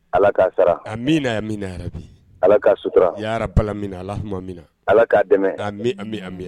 Ala k'a sara a min min yɛrɛ bi ala ka sutura a y'ara bala min na alah min na ala k'a dɛmɛ an bɛ a minɛ